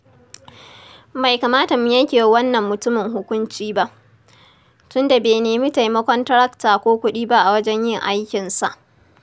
Bai kamata mu yanke wa wannan mutumin hukunci ba, tun da bai nemi taimakon tarakta ko kuɗi ba a wajen yi aikinsa.